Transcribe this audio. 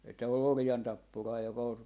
että oli orjantappuraa joka oli